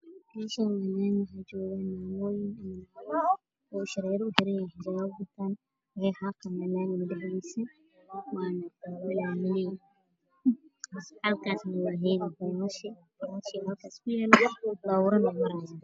Meeshaan waa laami waxaa joogo maamooyin oo indho shareero uxiran yihiin iyo xijaabo waxay xaaqaayaan laamiga dhexdiisa waa milaamiley , baabuurana way maraayaan.